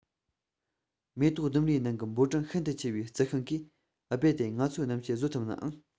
མེ ཏོག ལྡུམ རའི ནང གི འབོར གྲངས ཤིན ཏུ ཆེ བའི རྩི ཤིང གིས རྦད དེ ང ཚོའི གནམ གཤིས བཟོད ཐུབ ནའང